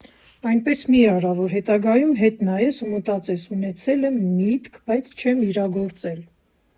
Այնպես մի՛ արա, որ հետագայում հետ նայես ու մտածես՝ ունեցել եմ միտք, բայց չեմ իրագործել։